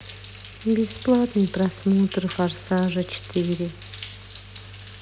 бесплатный просмотр форсажа четыре